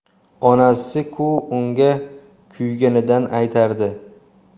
onasi ku unga kuyganidan aytardi